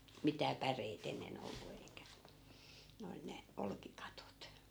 mitään päreitä ennen ollut eikä ne oli ne olkikatot